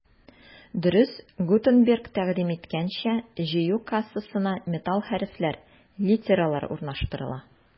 Дөрес, Гутенберг тәкъдим иткәнчә, җыю кассасына металл хәрефләр — литералар урнаштырыла.